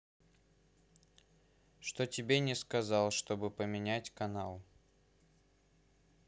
что тебе не сказал чтобы поменять канал